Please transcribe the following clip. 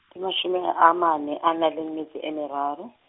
di mashome a manne a na le metso e meraro.